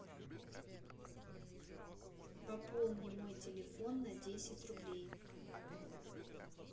пополни мой телефон на десять рублей